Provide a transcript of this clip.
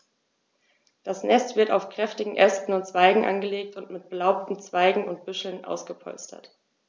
Das Nest wird aus kräftigen Ästen und Zweigen angelegt und mit belaubten Zweigen und Büscheln ausgepolstert.